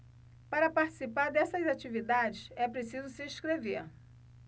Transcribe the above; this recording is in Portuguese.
para participar dessas atividades é preciso se inscrever